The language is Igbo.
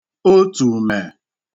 otùmè